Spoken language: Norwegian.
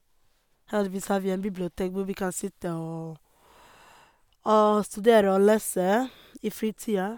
Heldigvis har vi en bibliotek hvor vi kan sitte og og studere og lese i fritida.